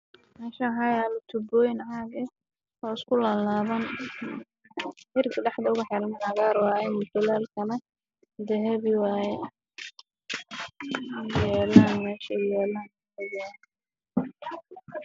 Meeshaan waxaa yaalo tuubooyin caag ah